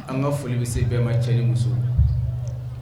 An' ŋa foli bɛ se bɛɛ ma cɛ ni muso